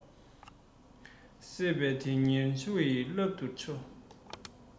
སྲེད པས དོན གཉེར ཆུ ཡི རླབས སུ འཕྱོ